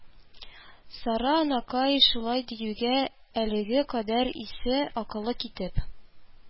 Сара анакай шулай диюгә, әлегә кадәр исе-акылы китеп,